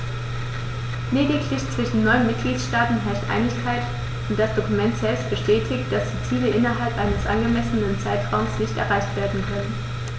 Lediglich zwischen neun Mitgliedsstaaten herrscht Einigkeit, und das Dokument selbst bestätigt, dass die Ziele innerhalb eines angemessenen Zeitraums nicht erreicht werden können.